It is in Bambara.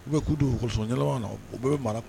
U bɛ kudo u kɔsɔnɲ ɲɔgɔn na u bɛ bɛ mara